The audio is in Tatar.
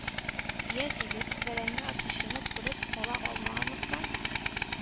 Көяз егет, бәрәңге атучыны күреп кала алмаганлыктан,